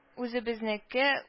Үзебезнеке